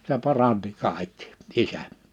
se paransi kaikki isä